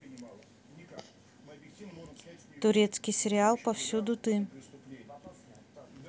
турецкий сериал повсюду ты